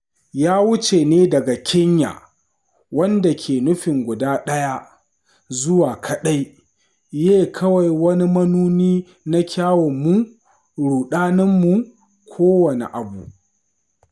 Ya wuce ne daga Kanye, wanda ke nufin guda ɗaya, zuwa kaɗai Ye - kawai wani manuni na kyawunmu, ruɗaninmu, kowane abu.